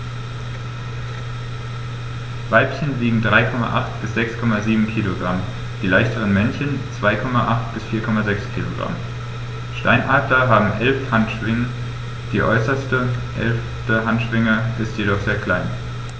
Weibchen wiegen 3,8 bis 6,7 kg, die leichteren Männchen 2,8 bis 4,6 kg. Steinadler haben 11 Handschwingen, die äußerste (11.) Handschwinge ist jedoch sehr klein.